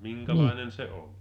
minkälainen se oli